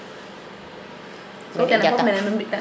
so kene fop mene nu mbi tan